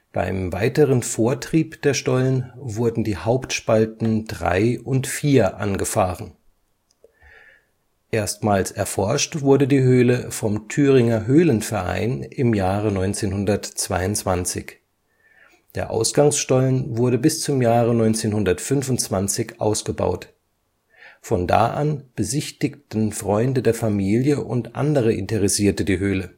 Beim weiteren Vortrieb der Stollen wurden die Hauptspalten 3 und 4 angefahren. Erstmals erforscht wurde die Höhle vom Thüringer Höhlenverein im Jahre 1922. Der Ausgangsstollen wurde bis zum Jahre 1925 ausgebaut. Von da an besichtigten Freunde der Familie und andere Interessierte die Höhle